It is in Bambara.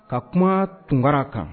Ka kuma tunkaraga kan